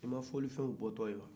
i ma fɔlifɛw bɔtɔ ye wa